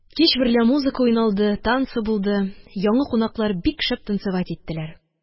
Кич берлә музыка уйналды, танцы булды, яңы кунаклар бик шәп танцевать иттеләр